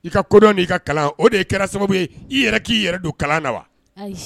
I ka kodɔn ni ka kalan o de kɛra sababu ye i yɛrɛ k'i yɛrɛ don kalan na wa .